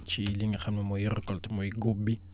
ci li nga xam ne mooy récolte mooy góob bi